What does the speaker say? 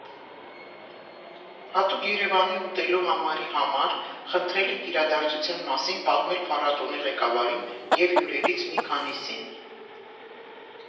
Հատուկ ԵՐԵՎԱՆի ուտելու համարի համար խնդրել ենք իրադարձության մասին պատմել փառատոնի ղեկավարին և հյուրերից մի քանիսին։